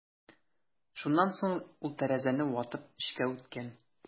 Шуннан соң ул тәрәзәне ватып эчкә үткән.